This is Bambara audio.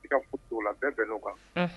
I ka fosi t'o la bɛɛ bɛn n'o kan